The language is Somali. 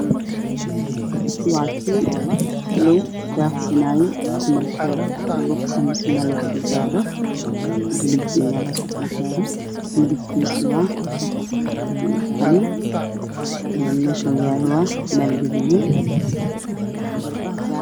Meeshan waxaa ayaa la kursi dadka curyaaminta ay wadaan midabkiisa waa cadaan waxaa ka dambeeya